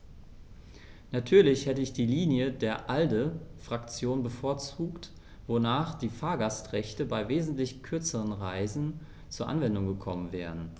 Natürlich hätte ich die Linie der ALDE-Fraktion bevorzugt, wonach die Fahrgastrechte bei wesentlich kürzeren Reisen zur Anwendung gekommen wären.